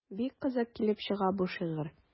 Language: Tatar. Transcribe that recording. Бик кызык килеп чыга бу шигырь.